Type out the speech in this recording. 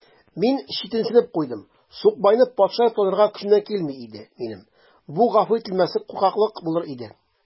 Мин читенсенеп куйдым: сукбайны патша дип танырга көчемнән килми иде минем: бу гафу ителмәслек куркаклык булыр иде.